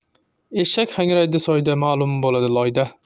eshak hangraydi soyda ma'lum bo'ladi loyda